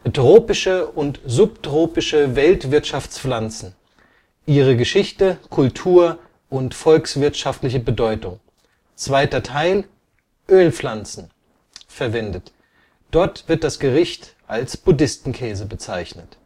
Tropische und subtropische Weltwirtschaftspflanzen; ihre Geschichte, Kultur und volkswirtschaftliche Bedeutung. II. Teil: Ölpflanzen verwendet; dort wird das Gericht als „ Buddhistenkäse “bezeichnet